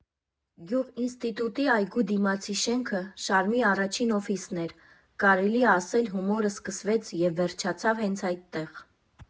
Գյուղ ինստիտուտի այգու դիմացի շենքը «Շարմի» առաջին օֆիսն էր, կարելի ա ասել հումորը սկսվեց և վերջացավ հենց այդտեղ։